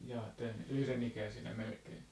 jaa että yhdenikäisinä melkein